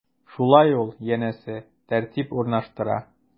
Шулай ул, янәсе, тәртип урнаштыра.